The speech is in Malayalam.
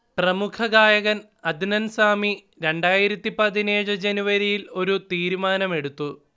പ്രമുഖഗായകൻ അദ്നൻ സാമി രണ്ടായിരത്തിപ്പതിനേഴ് ജനുവരിയിൽ ഒരു തീരുമാനമെടുത്തു